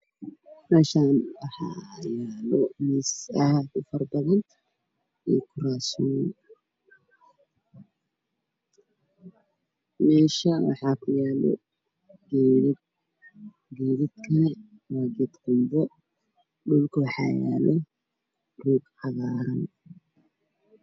Meeshaan waxa yaalo miisas aad u fara badan iyo kuraasooyin, meeshaa waxa ku yaalo geedad geedadkaa ww geed qumbo dhulka waxaa yaalo geed cagaaran